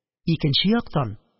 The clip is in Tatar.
Икенче яктан